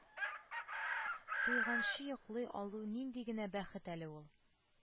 Туйганчы йоклый алу нинди генә бәхет әле ул